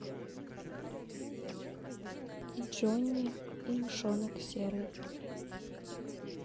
и джонни и мышонок серый